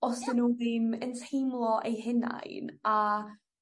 os 'dyn n'w ddim yn teimlo eu hunain a